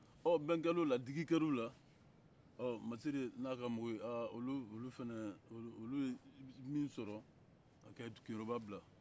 ɔ ban kɛla o la digi kɛr'u la ɔ masire n'a ka mɔgɔw ɔɔ olu olu fana olu ye min sɔrɔ ka keyoroba bila